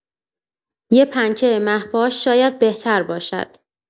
یه پنکه مه‌پاش شاید بهتر باشه.